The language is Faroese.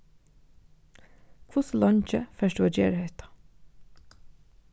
hvussu leingi fert tú at gera hetta